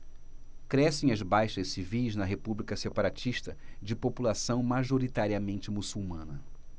crescem as baixas civis na república separatista de população majoritariamente muçulmana